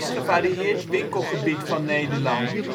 gevarieerd winkelgebied van Nederland